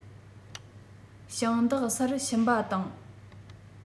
ཞིང བདག སར ཕྱིན པ དང